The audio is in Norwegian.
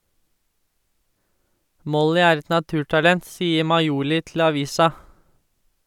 Molly er et naturtalent, sier Maioli til avisa.